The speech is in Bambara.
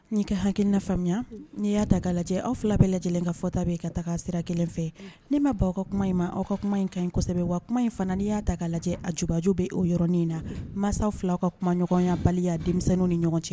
N'i ka hakiina faamuya n'i y'a ta' lajɛ aw fila bɛ lajɛ lajɛlen ka fɔ tabi yen ka taga sira kelen fɛ ni ma baw aw ka kuma in ma aw ka kuma in ka ɲi kosɛbɛ wa kuma in fana'i y'a ta k' lajɛ a jubajju bɛ o yɔrɔɔrɔnin na mansaw filaw ka kumaɲɔgɔnya bali denmisɛnnin ni ɲɔgɔn cɛ